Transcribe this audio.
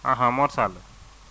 Mor Sall